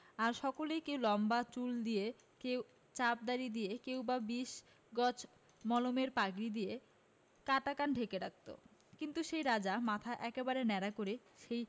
আর সকলেই কেউ লম্বা চুল দিয়ে কেউ চাপ দাড়ি দিয়ে কেউ বা বিশ গজ মলমলের পাগড়ি দিয়ে কাটা কান ঢেকে রাখত কিন্তু সেই রাজা মাথা একেবারে ন্যাড়া করে সেই